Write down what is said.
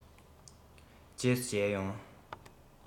རྗེས སུ མཇལ ཡོང